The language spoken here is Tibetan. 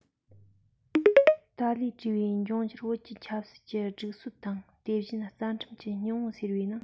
ཏཱ ལས བྲིས པའི འབྱུང འགྱུར བོད ཀྱི ཆབ སྲིད ཀྱི སྒྲིག སྲོལ དང དེ བཞིན རྩ ཁྲིམས ཀྱི སྙིང པོ ཟེར བའི ནང